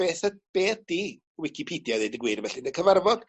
beth yd- beth 'di wicipedia a ddeud y gwir felly yn y cyfarfod